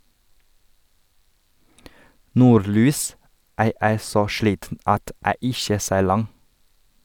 Nordlys, æ e så sliten at æ ikkje ser land.